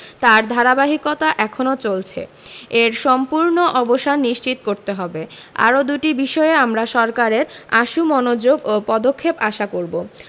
তার ধারাবাহিকতা এখনো চলছে এর সম্পূর্ণ অবসান নিশ্চিত করতে হবে আরও দুটি বিষয়ে আমরা সরকারের আশু মনোযোগ ও পদক্ষেপ আশা করব